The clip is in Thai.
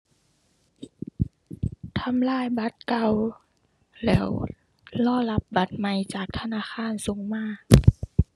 ทำลายบัตรเก่าแล้วรอรับบัตรใหม่จากธนาคารส่งมา